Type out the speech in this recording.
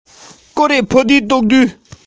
གཏམ གླེང མང པོ བྱས པ ཡིན